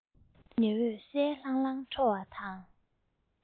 ཉི འོད གསལ ལྷང ལྷང འཕྲོ བ དང